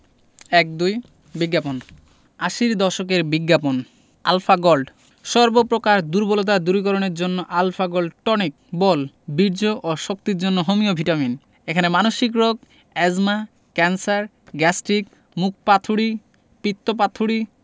১২ বিজ্ঞাপন আশির দশকের বিজ্ঞাপন আলফা গল্ড সর্ব প্রকার দুর্বলতা দূরীকরণের জন্য আল্ ফা গোল্ড টনিক –বল বীর্য ও শক্তির জন্য হোমিও ভিটামিন এখানে মানসিক রোগ এ্যজমা ক্যান্সার গ্যাস্ট্রিক মুতপাথুড়ী পিত্তপাথুড়ী